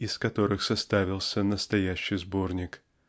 из которых составился настоящий сборник